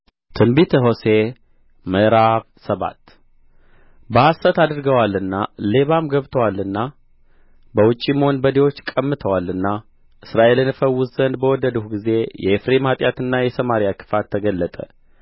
ትንቢተ ሆሴዕ ምዕራፍ ሰባት በሐሰት አድርገዋልና ሌባም ገብቶአልና በውጭም ወንበዴዎች ቀምተዋልና እስራኤልን እፈውስ ዘንድ በወደድሁ ጊዜ የኤፍሬም ኃጢአትና የሰማርያ ክፋት ተገለጠ